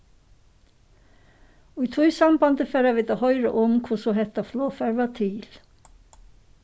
í tí sambandi fara vit at hoyra um hvussu hetta flogfar varð til